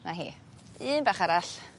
'Na hi. Un bach arall.